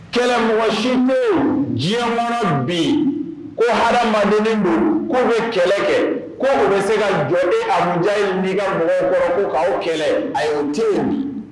Kɛlɛmɔgɔsiw ko jikɔrɔ bi ko hadamaen don k'o bɛ kɛlɛ kɛ k ko u bɛ se ka jɔn ni amuja' ka mɔgɔ kɔrɔ ko k'aw kɛlɛ a y'o te bi